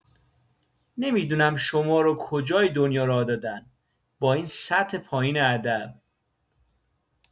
نمی‌دونم شما رو کجای دنیا راه دادن با این سطح پایین ادب